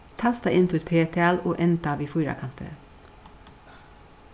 tasta inn títt p-tal og enda við fýrakanti